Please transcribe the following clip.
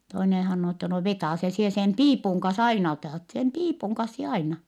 toinen sanoo että no vetäise sinä sen piipun kanssa aina otat sen piipun kanssa sinä aina